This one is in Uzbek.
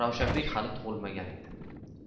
ravshanbek hali tug'ilmagan edi